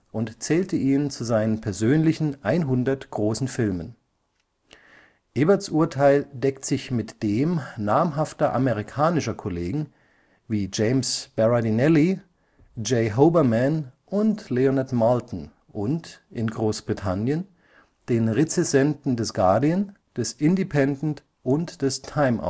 und zählte ihn zu seinen persönlichen „ 100 großen Filmen “. Eberts Urteil deckt sich mit dem namhafter amerikanischer Kollegen wie James Berardinelli, J. Hoberman (The Village Voice) und Leonard Maltin und, in Großbritannien, den Rezensenten des Guardian, des Independent und des Time